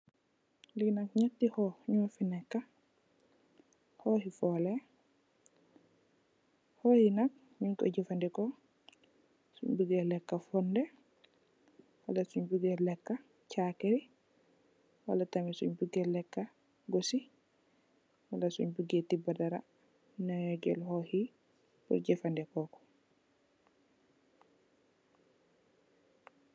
Li nak ñetti kook ñu fii nèkka, kooki foleé. Kook yi nak ñing koy jafandiko suñ bugéé lekka fonde, wala sin bugéé lekka cakiri wala tamit sin bugéé lekka gossi wala sin bugéé tiba dara kook yi la ñee jél ñi jafandiko ko.